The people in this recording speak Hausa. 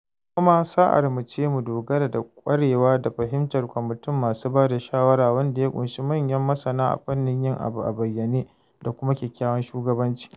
Kuma ma sa'armu ce mu dogara da kwarewa da fahimtar kwamitin masu ba da shawara wanda ya ƙunshi manyan masana a fannin yin abu a bayyane da kuma kyakkyawan shugabanci.